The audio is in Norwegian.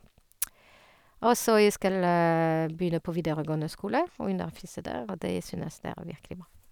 Og så jeg skal begynne på videregående skole og undervise der, og det synes jet er virkelig bra.